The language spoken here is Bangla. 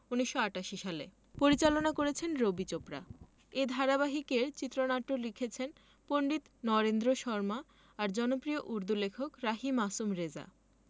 ১৯৮৮ সালে পরিচালনা করেছেন রবি চোপড়া এই ধারাবাহিকের চিত্রনাট্য লিখেছেন পণ্ডিত নরেন্দ্র শর্মা আর জনপ্রিয় উর্দু লেখক রাহি মাসুম রেজা